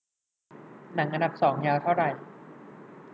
หนังอันดับสองยาวเท่าไหร่